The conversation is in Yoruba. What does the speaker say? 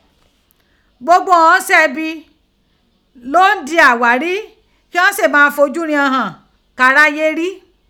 Gbogbo ighan oníṣẹ́ ibi ni ó di àghárí kí ghan se ma fi ojú righan hàn káráyé rí.